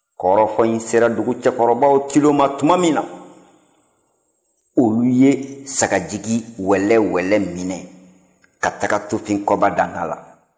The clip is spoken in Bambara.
kɔrɔfɔ in sera dugu cɛkɔrɔbaw tulo na tuma min na olu ye sagajigi wɛlɛwɛlɛ minɛ ka taga tufin kɔba daga na